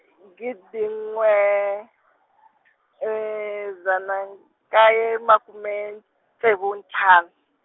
gidi n'we, dzana nkaye makume, ntsevu ntlhanu.